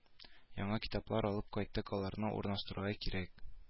Яңа китаплар алып кайттык аларны урнаштырырга кирәк